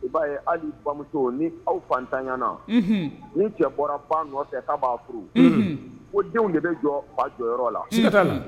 I b'a ye hali ni bamuso ni aw fatanyaana nin cɛ bɔra fa nɔfɛ k'a b'a furu ko denw de bɛ jɔ fa jɔyɔrɔ la